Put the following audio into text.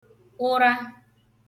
ụra